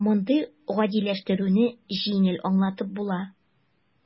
Мондый "гадиләштерү"не җиңел аңлатып була: